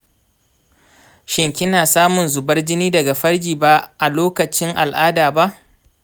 shin kina samun zubar jini daga farji ba a lokacin al’ada ba?